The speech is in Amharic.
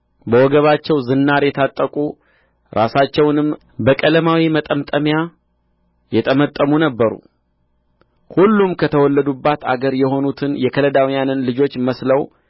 በወገባቸው ዝናር የታጠቁ ራሳቸውንም በቀለማዊ መጠምጠሚያ የጠመጠሙ ነበሩ ሁሉም ከተወለዱባት አገር የሆኑትን የከለዳውያንን ልጆች መስለው